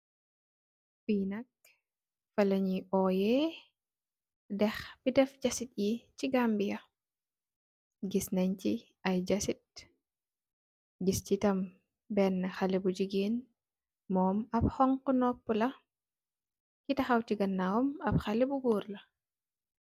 Fi nak fa lee nyu owey deeh si jesit yi si Gambia ya giss nen si ay kesit gis nen si tam bena xale bu jigeen momm ap xonxu nopu la ki tahaw si ganawam ap xalex bu goor la.